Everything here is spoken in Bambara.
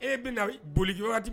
Ee bɛna bolikɛ waati